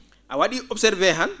a wa?ii observé han